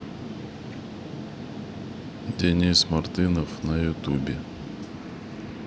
денис мартынов на ютубе